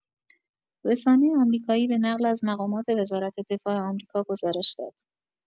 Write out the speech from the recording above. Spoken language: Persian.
رسانه آمریکایی به نقل از مقامات وزارت دفاع آمریکا گزارش داد